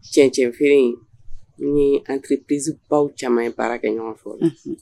Cɛncɛnfi ni an hakilipsibaw caman ye baara kɛ ɲɔgɔn fɔ